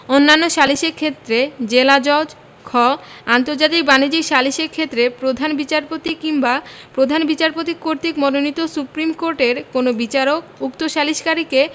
অন্যান্য সালিসের ক্ষেত্রে জেলাজজ খ আন্তর্জাতিক বাণিজ্যিক সালিসের ক্ষেত্রে প্রধান বিচারপতি কিংবা প্রধান বিচারপতি কর্তৃক মনোনীত সুপ্রীমকোর্টের কোন বিচারক উক্ত সালিসকারীকে